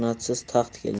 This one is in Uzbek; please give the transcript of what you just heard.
mehnatsiz taxt kelmas